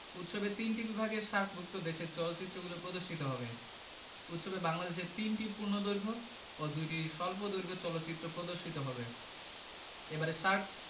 উৎসবে তিনটি বিভাগে সার্কভুক্ত দেশের চলচ্চিত্রগুলো প্রদর্শিত হবে উৎসবে বাংলাদেশের ৩টি পূর্ণদৈর্ঘ্য ও ২টি স্বল্পদৈর্ঘ্য চলচ্চিত্র প্রদর্শিত হবে এবারের সার্ক